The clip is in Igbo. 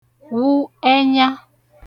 wụ ẹnya